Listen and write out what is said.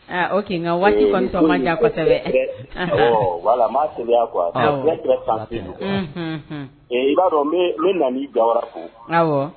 O kin nka waati diya kosɛbɛ wala maaya ko pa don ee i b'a dɔn ne nan bilawa ko aw